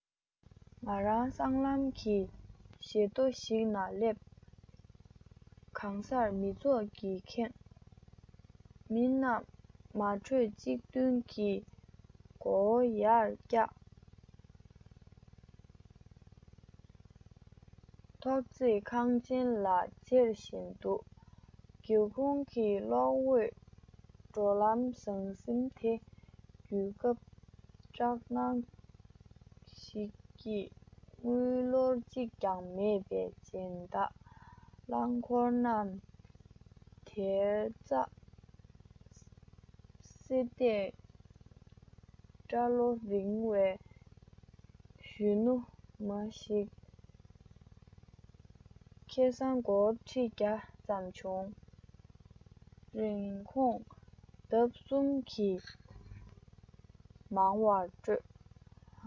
ང རང སྲང ལམ གྱི བཞི མདོ ཞིག ན སླེབས གང སར མི ཚོགས ཀྱིས ཁེངས མི རྣམས མ གྲོས གཅིག མཐུན གྱིས མགོ བོ ཡར ལ བཀྱགས ཐོག བརྩེགས ཁང ཆེན ལ ཅེར བཞིན འདུག སྒེའུ ཁུང གི གློག འོད འགྲོ ལམ ཟང ཟིམ དེ རྒྱུད སྐབས སྐྲག སྣང ཞིག བསྐྱེད དངུལ ལོར གཅིག ཀྱང མེད པའི སྦྱིན བདག རླངས འཁོར རྣམས དལ འཇགས སེ བསྡད སྐྲ ལོ རིང བའི གཞོན ནུ མ ཞིག ཁེ བཟང སྒོར ཁྲི བརྒྱ ཙམ བྱུང རིན གོང ལྡབ གསུམ གྱིས མང བར སྤྲོད